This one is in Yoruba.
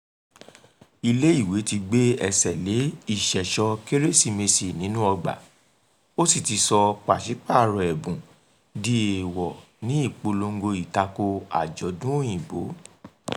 Ilé-ìwé ti gbé ẹsẹ̀ lé ìṣẹ̀ṣọ́ọ Kérésìmesì nínú ọgbà ó sì ti sọ pàṣìpàrọ̀ ẹ̀bùn di èèwọ̀ ní ìpolongo ìtako àjọ̀dún Òyìnbó.